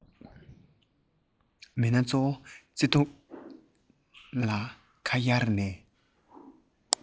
མི སྣ གཙོ བོ བརྩེ དུང ལ ཁ གཡར ནས